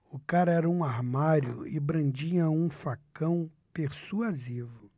o cara era um armário e brandia um facão persuasivo